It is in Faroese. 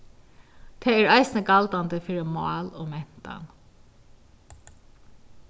tað er eisini galdandi fyri mál og mentan